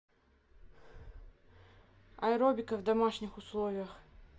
аэробика в домашних условиях